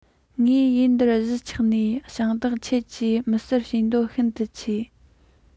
ངས ཡུལ འདིར གཞིས ཆགས ནས ཞིང བདག ཁྱེད ཀྱི མི སེར བྱེད འདོད ཤིན ཏུ ཆེ